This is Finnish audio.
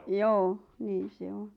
joo niin se on